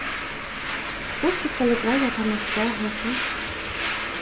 hvussu skal eg greiða teimum frá hesum